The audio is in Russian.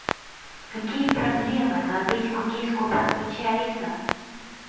какие проблемы твою письку киску подключи алиса